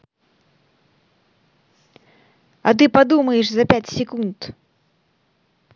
а ты подумаешь за пять секунд